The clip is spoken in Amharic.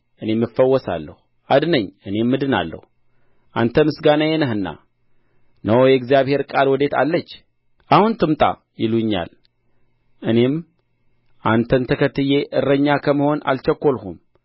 እኔም እፈወሳለሁ አድነኝ እኔም እድናለሁ አንተ ምስጋናዬ ነህና እነሆ የእግዚአብሔር ቃል ወዴት አለች አሁን ትምጣ ይሉኛል እኔም አንተን ተከትዬ እረኛ ከመሆን አልቸኰልሁም